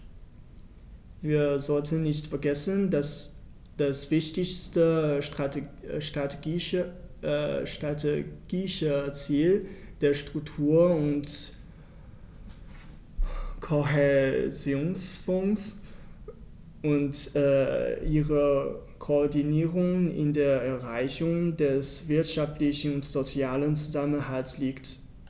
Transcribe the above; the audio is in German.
Wir sollten nicht vergessen, dass das wichtigste strategische Ziel der Struktur- und Kohäsionsfonds und ihrer Koordinierung in der Erreichung des wirtschaftlichen und sozialen Zusammenhalts liegt.